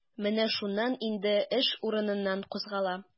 Менә шуннан инде эш урыныннан кузгала.